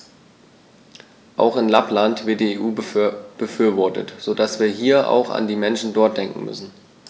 Auch in Lappland wird die EU befürwortet, so dass wir hier auch an die Menschen dort denken müssen.